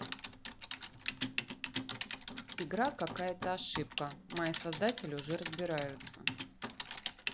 игра какая то ошибка мои создатели уже разбираются